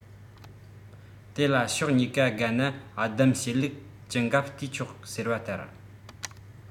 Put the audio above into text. དེ ལ ཕྱོགས གཉིས ཀ དགའ ན སྡུམ བྱེད ལུགས ཇི འགབ བལྟས ཆོག ཟེར བ ལྟར